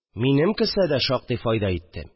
Минем кесә дә шактый файда итте